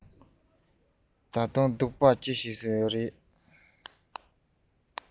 ད དུང སྡུག པ གང བྱེད ཀྱི ཡོད རས